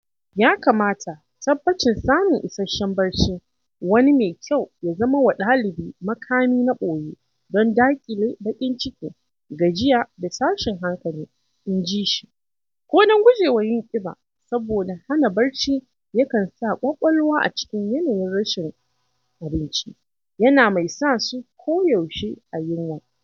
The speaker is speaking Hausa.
Ya kamata tabbacin samun isasshen barci, wani mai kyau, ya zama wa ɗalibi ‘makami na boye’ don daƙile baƙin ciki, gajiya da tashin hankali, inji shi - ko don guje wa yin ƙiba, saboda hana barci yakan sa ƙwaƙwalwa a cikin yanayin rashin abinci, yana mai sa su koyaushe a yunwa.